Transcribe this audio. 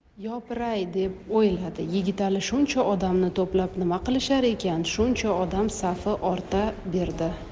yopiray deb o'yladi yigitali shuncha odamni to'plab nima qilishar ekan shuncha odam safi orta berdi